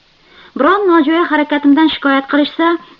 biron nojo'ya harakatimdan shikoyat qilishsa